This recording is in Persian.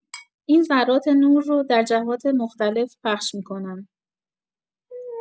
این ذرات نور رو در جهات مختلف پخش می‌کنن.